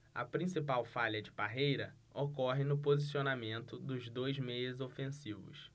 a principal falha de parreira ocorre no posicionamento dos dois meias ofensivos